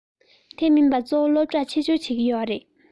དེ མིན པ གཙོ བོ སློབ གྲྭར ཕྱི འབྱོར བྱེད ཀྱི ཡོད རེད